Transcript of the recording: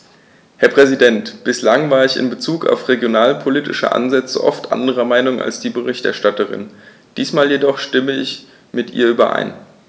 Herr Präsident, bislang war ich in Bezug auf regionalpolitische Ansätze oft anderer Meinung als die Berichterstatterin, diesmal jedoch stimme ich mit ihr überein.